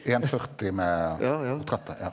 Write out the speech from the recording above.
én 40 med portrettet ja.